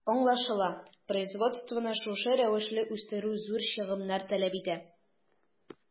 Аңлашыла, производствоны шушы рәвешле үстерү зур чыгымнар таләп итә.